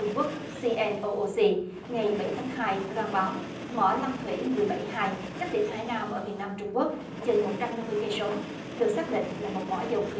trung quốc xi en ô ô xi ngày bảy tháng hai loan báo mỏ lăng thủy mười bảy hai cách tỉnh hải nam ở miền nam trung quốc chừng một trăm năm mươi cây số được xác định là một mỏ dầu khí